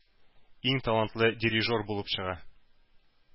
Иң талантлы “дирижер” булып чыга.